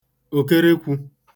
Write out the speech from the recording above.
òkerekwū